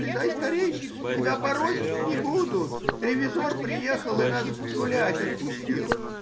вылезай скорей,— тебя пороть не будут, ревизор приехал и нас гулять отпустил.